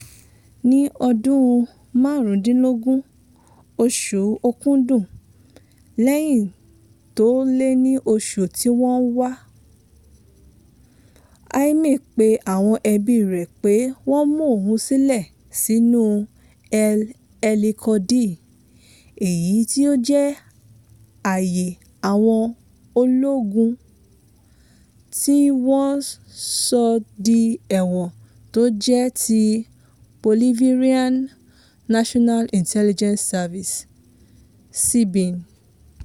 Ní ọjọ́ 15, oṣù okúdù, lẹ́yìn tó lé ní oṣù tí wọ́n ti ń wa, Jaimes pe àwọn ẹbí rẹ̀ pé wọ́n mú ohun silẹ̀ sínu El Helicoide, èyí tó jẹ́ àyè àwọn ológun tí wọ́n sọ di ẹ̀wọ̀n tó jẹ́ ti Bolivarian National Intelligence Service (SEBIN).